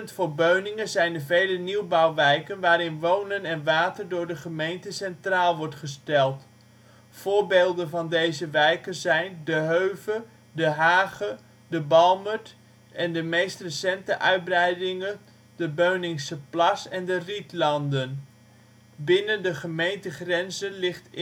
voor Beuningen zijn de vele nieuwbouwwijken waarin wonen en water door de gemeente centraal wordt gesteld. Voorbeelden van deze wijken zijn De Heuve, De Haaghe, Den Balmerd en de meest recente uitbreidingen de Beuningse Plas en De Rietlanden. Binnen de gemeentegrenzen ligt